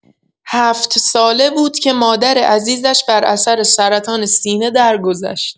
هفت‌ساله بود که مادر عزیزش بر اثر سرطان سینه درگذشت.